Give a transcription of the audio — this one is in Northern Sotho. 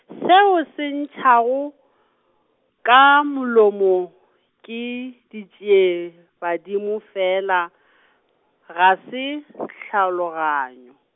seo a se ntšhago, ka molomo, ke ditšiebadimo fela , ga se, tlhaloganyo.